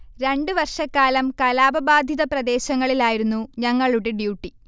രണ്ട് വർഷക്കാലം കലാപബാധിത പ്രദേശങ്ങളിലായിരുന്നു ഞങ്ങളുടെ ഡ്യൂട്ടി